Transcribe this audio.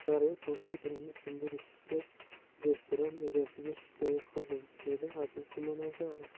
daryo kompyuterimni sindirishgach restoran egasiga shikoyat qildim deydi aziz jumanazarov